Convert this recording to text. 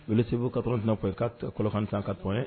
Wele se ka tɔn infɔ ye i katan ka tɔn ye